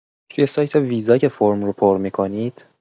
توی سایت ویزا که فرم رو پر می‌کنید